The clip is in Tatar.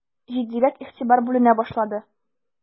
Җитдирәк игътибар бүленә башлады.